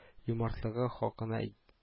Юмартлыгы хакынай